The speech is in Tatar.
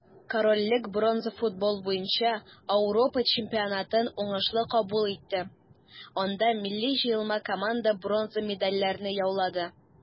Корольлек бронза футбол буенча Ауропа чемпионатын уңышлы кабул итте, анда милли җыелма команда бронза медальләрне яулады.